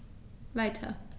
Weiter.